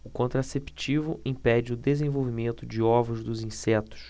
o contraceptivo impede o desenvolvimento de ovos dos insetos